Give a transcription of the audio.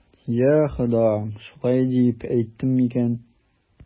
Йа Хода, шулай дип әйттем микән?